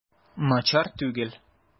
Начар түгел.